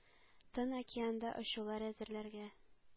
Тын океанда очучылар әзерләргә,